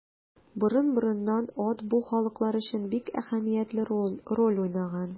Борын-борыннан ат бу халыклар өчен бик әһәмиятле роль уйнаган.